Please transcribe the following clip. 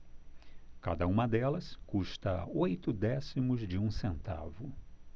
cada uma delas custa oito décimos de um centavo